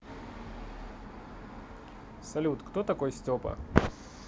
салют кто такой степа